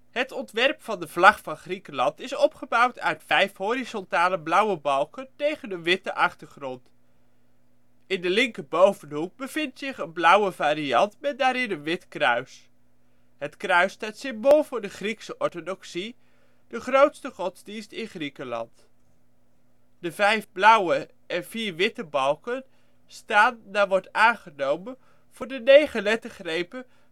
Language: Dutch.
Het ontwerp van de vlag van Griekenland is opgebouwd uit vijf horizontale blauwe balken tegen een witte achtergrond. In de linker bovenhoek bevindt zich een blauwe vierkant met daarin een wit kruis. Het kruis staat symbool voor de Griekse Orthodoxie, de grootste godsdienst in Griekenland. De vijf blauwe en vier witte balken staan, naar wordt aangenomen, voor de negen lettergrepen